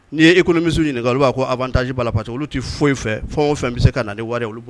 N'i ye e ɲini' b'a ko a taaji bala pa olu tɛ foyi fɛ fɛn bɛ se ka na wari ye